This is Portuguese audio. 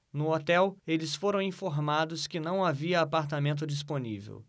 no hotel eles foram informados que não havia apartamento disponível